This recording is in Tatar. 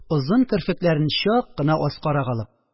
Озын керфекләрен чак кына аскарак алып